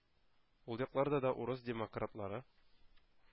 Ул якларда да урыс демократлары